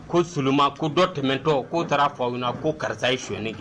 Koma ko dɔ tɛmɛntɔ k'o taara fɔ aw na ko karisa ye sonyni kɛ